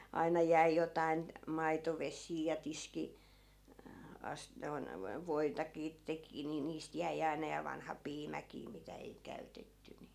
aina jäi jotakin maitovesiä ja -- noin - voitakin teki niin niistä jäi aina ja vanha piimäkin mitä ei käytetty niin